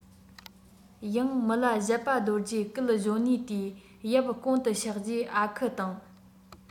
ཡང མི ལ བཞད པ རྡོ རྗེ སྐུ གཞོན ནུའི དུས ཡབ གུང དུ གཤེགས རྗེས ཨ ཁུ དང